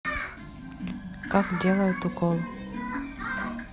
как делают укол